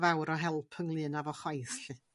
fawr o help ynglŷn â fo chwaith 'lly.